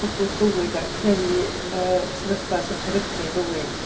Bygwth bywyd a creu yy sefyllfa sy'n peryglu bywyd.